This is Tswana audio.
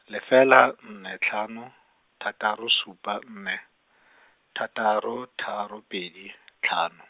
lefela nne tlhano, thataro supa nne, thataro tharo pedi, tlhano.